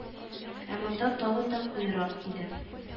Ә монда тагын да куерак иде